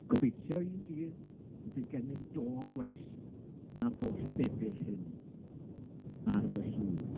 Gobeithio un dydd y fydd gennym do gwell na'r holl bebyll hyn, ar fy llw.